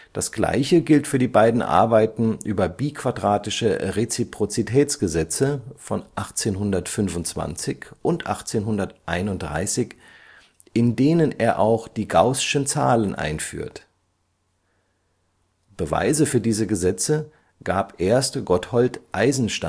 Das Gleiche gilt für die beiden Arbeiten über biquadratische Reziprozitätsgesetze von 1825 und 1831, in denen er auch die gaußschen Zahlen einführt (ganzzahliges Gitter in komplexer Zahlenebene). Beweise für diese Gesetze gab erst Gotthold Eisenstein. Die